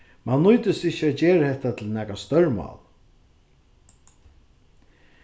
mann nýtist ikki at gera hetta til nakað stórmál